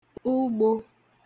ugbō